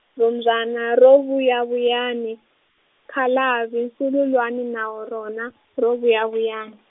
rhumbyana ro vuyavuyani, khalavi nsululwani na rona ro vuyavuyani.